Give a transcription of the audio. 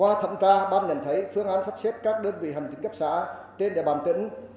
qua thẩm tra ban nhận thấy phương án sắp xếp các đơn vị hành chính cấp xã trên địa bàn tỉnh